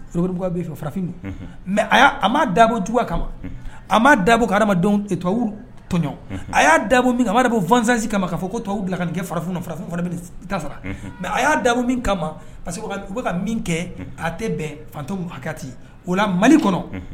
Bɛ fɛ farafin don mɛ a a ma dabo cogoya kama a ma dabo ha adamadamadenw tobabu tɔɔn a y'a dabo min kama ma de bɔ ganzsansi kama ka fɔ ko to bila ka kɛ farafin farafin fana tara mɛ a y'a dabo min kama parce que u bɛka ka min kɛ a tɛ bɛn fatan hakɛ kati oo la mali kɔnɔ